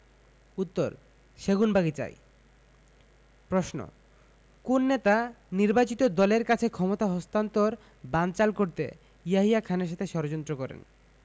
উত্তরঃ সেগুনবাগিচা প্রশ্ন কোন নেতা নির্বাচিত দলের কাছে ক্ষমতা হস্তান্তর বানচাল করতে ইয়াহিয়া খানের সাথে ষড়যন্ত্র করেন